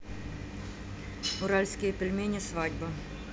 уральские пельмени свадьбы